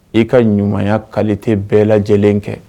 E ka ɲumanya kali tɛ bɛɛ lajɛlen kɛ